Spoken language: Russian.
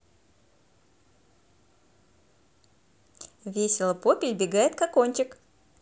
весело попель бегает кокончик